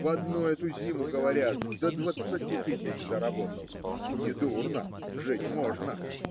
В одну эту зиму, говорят, до двадцати тысяч заработал. Недурно! Жить можно.